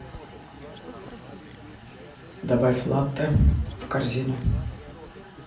добавь латте в корзину